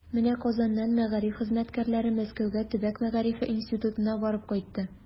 Менә Казаннан мәгариф хезмәткәрләре Мәскәүгә Төбәк мәгарифе институтына барып кайтты.